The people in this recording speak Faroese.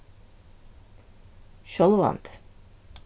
sjálvandi